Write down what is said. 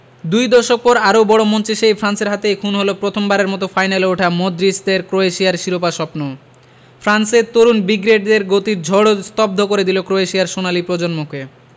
দুই দশক পর আরও বড় মঞ্চে সেই ফ্রান্সের হাতেই খুন হল প্রথমবারের মতো ফাইনালে ওঠা মডরিচদের ক্রোয়েশিয়ার শিরোপা স্বপ্ন ফ্রান্সের তরুণ ব্রিগেডের গতির ঝড় স্তব্ধ করে দিল ক্রোয়েশিয়ার সোনালি প্রজন্মকে